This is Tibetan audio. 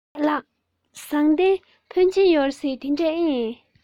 ཟེར ཡས ལ ཟངས གཏེར འཕོན ཆེན ཡོད རེད ཟེར གྱིས དེ འདྲ ཨེ ཡིན